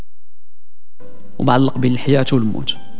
معلق بين الحياه والموت